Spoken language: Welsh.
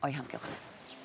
o'u hamgylch n'w.